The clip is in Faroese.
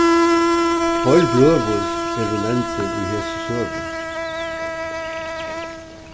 tveir brøður eru nevndir í hesi søgu